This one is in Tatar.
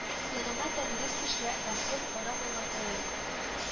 Яныма тәңрем төшә, бәхтем кара булган саен